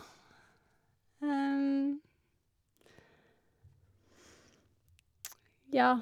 Ja.